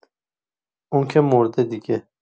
اون که مرده دیگه!